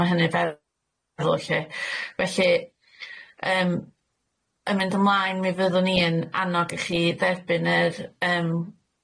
ma' hynny'n feddwl felly yym yn mynd ymlaen mi fyddwn ni yn annog i chi dderbyn yr yym